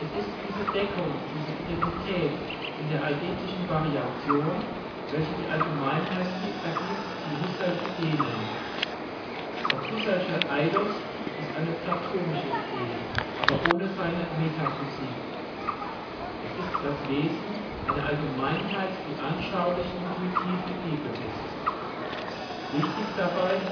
ist diese Deckung, diese Identität in der eidetischen Variation, welche die Allgemeinheit ergibt, die Husserl Idee nennt. Das Husserlsche eidos ist eine platonische Idee, aber ohne seine Metaphysik. Es ist das Wesen, eine Allgemeinheit, die anschaulich, intuitiv gegeben ist. Wichtig dabei